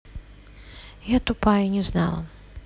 я тупая я не знала